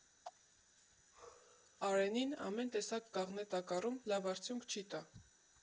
Արենին ամեն տեսակ կաղնե տակառում լավ արդյունք չի տա.